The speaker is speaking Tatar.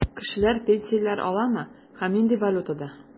Кешеләр пенсияләр аламы һәм нинди валютада?